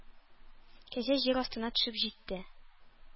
Кәҗә җир астына төшеп җитте